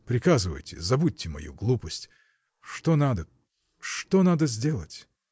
приказывайте, забудьте мою глупость. Что надо. что надо сделать?